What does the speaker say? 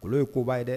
Kolon ye koba ye dɛ